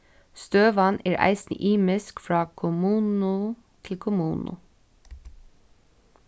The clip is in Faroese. støðan er eisini ymisk frá kommunu til kommunu